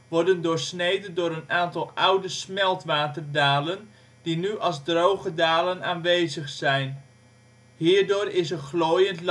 worden doorsneden door een aantal oude smeltwaterdalen, die nu als droge dalen aanwezig zijn. Hierdoor is een glooiend